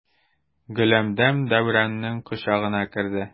Гөләндәм Дәүранның кочагына керде.